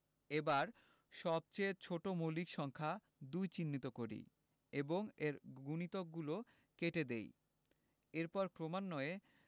এবার সবচেয়ে ছোট মৌলিক সংখ্যা ২ চিহ্নিত করি এবং এর গুণিতকগলো কেটে দেই এরপর ক্রমান্বয়ে